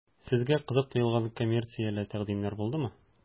Сезгә кызык тоелган коммерцияле тәкъдимнәр булдымы?